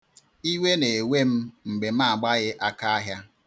Iwe na-ewe m mgbe m agbaghị aka ahịa.